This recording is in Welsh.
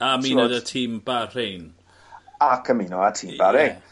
A ymuno 'da tîm Bahrain. Ac ymuno â tîm Bahrain.